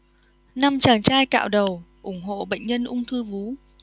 năm chàng trai cạo đầu ủng hộ bệnh nhân ung thư vú